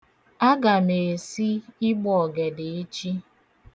Aga m esi ịgbọọgede echi.